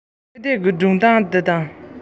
རང ཉིད སྙིང རྗེ བོ ཡིན སྙམ པའི